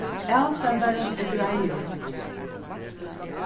avsendarin er greiður